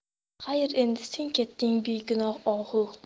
xayr endi sen ketding begunoh ohu